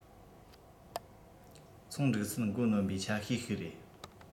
ཚོང འགྲིག ཚད མགོ གནོན པའི ཆ ཤས ཤིག རེད